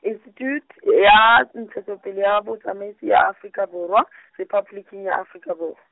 Institjhute ya Ntshetso Pele ya Botsamaisi ya Afrika Borwa , Rephaboliki ya Afrika Borwa.